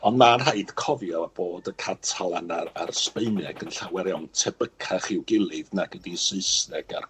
On' ma'n rhaid cofio bod y Catalan a'r a'r Sbaeneg yn llawer iawn tebycach i'w gilydd nag ydi Saesneg a'r